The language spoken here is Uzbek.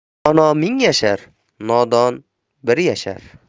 dono ming yashar nodon bir yashar